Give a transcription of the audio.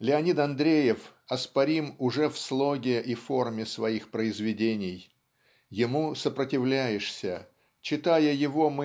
Леонид Андреев оспорим уже в слоге и форме своих произведений. Ему сопротивляешься читая его